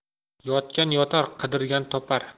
yotgan yotar qidirgan topar